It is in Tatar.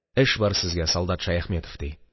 «эш бар сезгә, солдат шаяхметов», – ди